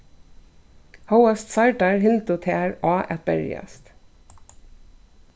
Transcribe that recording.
hóast særdar hildu tær á at berjast